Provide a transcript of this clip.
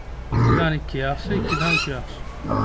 birdan ikki yaxshi ikkidan uch yaxshi